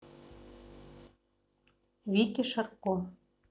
вики шарко